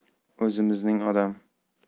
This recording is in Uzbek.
o'zimizning odam